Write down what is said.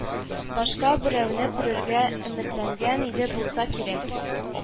Башка берәүне күрергә өметләнгән иде булса кирәк